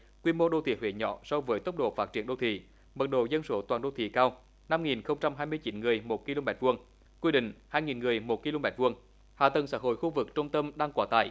quy mô đô thị huế nhỏ so với tốc độ phát triển đô thị mật độ dân số toàn đô thị cao năm nghìn không trăm hai mươi chín người một ki lô mét vuông quy định hai nghìn người một ki lô mét vuông hạ tầng xã hội khu vực trung tâm đang quá tải